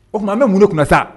O tuma n bɛ mun kunna sa